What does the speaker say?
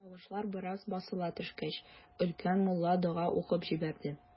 Тавышлар бераз басыла төшкәч, өлкән мулла дога укып җибәрде.